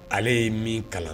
Ale ye min kalan